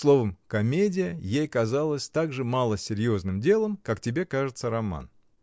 Словом, комедия ей казалась так же мало серьезным делом, как тебе кажется роман.